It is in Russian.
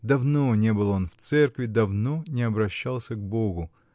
Давно не был он в церкви, давно не обращался к богу